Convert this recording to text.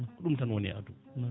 ɗum tan woni e aduna